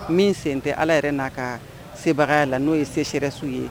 Min sen tɛ ala yɛrɛ n'a ka sebaga la n'o ye se sɛɛrɛsiw ye